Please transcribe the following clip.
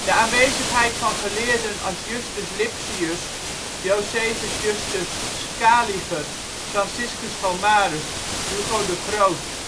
aanwezigheid van geleerden als Justus Lipsius, Josephus Justus Scaliger, Franciscus Gomarus, Hugo de Groot